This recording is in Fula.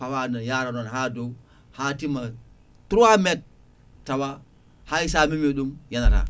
pawa ne yara noon ha dow ha timma 3 métre tawa hay sa memi ɗum yanata